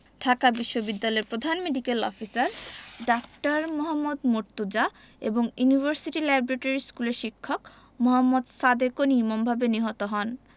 ঢাকা বিশ্ববিদ্যালয়ের প্রধান medical officer ডা. মোহাম্মদ মর্তুজা এবং ইউনিভার্সিটি ল্যাবরেটরি স্কুলের শিক্ষক মোহাম্মদ সাদেকও নির্মমভাবে নিহত হন